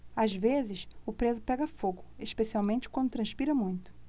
às vezes o preso pega fogo especialmente quando transpira muito